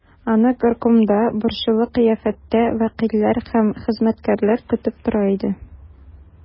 Аны горкомда борчулы кыяфәттә вәкилләр һәм хезмәткәрләр көтеп тора иде.